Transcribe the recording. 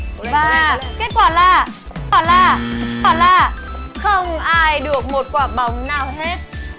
và kết quả là quả là quả là không ai được một quả bóng nào hết